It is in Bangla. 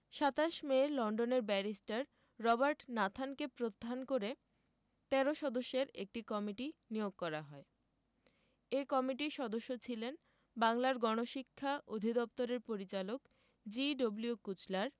২৭ মে লন্ডনের ব্যারিস্টার রবার্ট নাথানকে প্রত্তান করে ১৩ সদস্যের একটি কমিটি নিয়োগ করা হয় এ কমিটির সদস্য ছিলেন বাংলার গণশিক্ষা অধিদপ্তরের পরিচালক জি.ডব্লিউ কুচলার